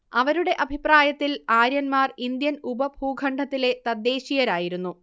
അവരുടെ അഭിപ്രായത്തിൽ ആര്യന്മാർ ഇന്ത്യൻ ഉപഭൂഖണ്ഡത്തിലെ തദ്ദേശീയരായിരുന്നു